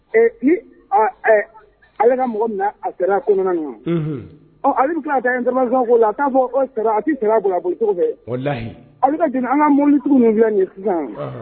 ka mɔgɔ min ko min na ale bɛ kila ka ta intɛrvansiyɔn k'o la a ta fɔ a tɛ sariya boli a bolicogofɛ an ka mobili tigi ninnufilɛ sisan.